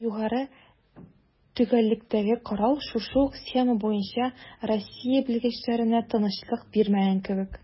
Югары төгәллектәге корал шушы ук схема буенча Россия белгечләренә тынычлык бирмәгән кебек: